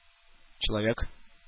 Человек